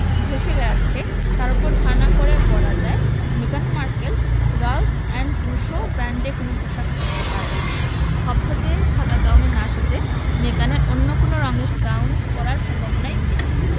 ভেসে বেড়াচ্ছে তার ওপর ধারণা করে বলা যায় মেগান Markle Ralph and Russo ব্র্যান্ডের কোনো পোশাক পরতে পারেন ধবধবে সাদা গাউনে না সেজে মেগানের অন্য কোন রঙের গাউন পরার সম্ভাবনাই বেশি